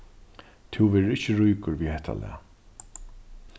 tú verður ikki ríkur við hetta lag